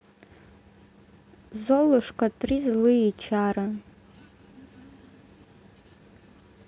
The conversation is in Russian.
золушка три злые чары